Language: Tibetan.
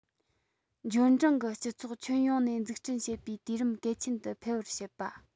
འབྱོར འབྲིང གི སྤྱི ཚོགས ཁྱོན ཡོངས ནས འཛུགས སྐྲུན བྱེད པའི དུས རིམ གལ ཆེན དུ འཕེལ བར བྱེད པ